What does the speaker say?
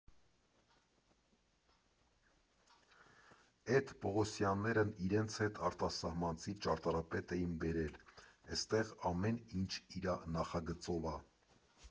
Էդ Պողոսյաններն իրենց հետ արտասահմանցի ճարտարապետ էին բերել, էստեղ ամեն ինչ իրա նախագծով ա։